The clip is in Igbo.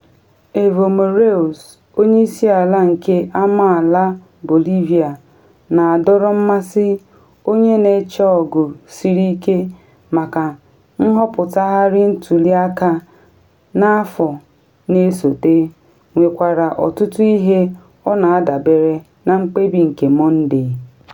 Evo Morales, onye isi ala nke amaala Bolivia na adọrọ mmasị - onye na eche ọgụ siri ike maka nhọpụtagharị ntuli aka n’afọ na esote - nwekwara ọtụtụ ihe ọ na adabere na mkpebi nke Mọnde.